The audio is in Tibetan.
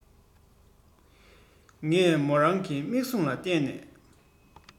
ངས མོ རང གི མིག གཟུངས ལ ལྟས ནས